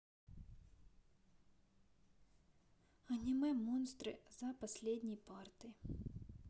анимэ монстры за последней партой